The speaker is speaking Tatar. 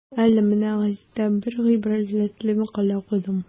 Әле менә гәзиттә бер гыйбрәтле мәкалә укыдым.